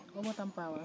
*****